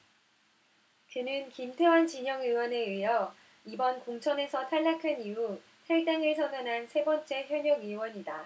그는 김태환 진영 의원에 이어 이번 공천에서 탈락한 이후 탈당을 선언한 세 번째 현역 의원이다